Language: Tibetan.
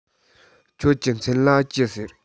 ཁྱེད ཀྱི མཚན ལ ཅི ཟེར